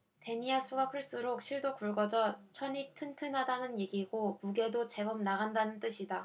데니아 수가 클수록 실도 굵어져 천이 튼튼하다는 얘기고 무게도 제법 나간다는 뜻이다